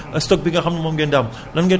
ñu bëri xëy na duñ ci mën a jote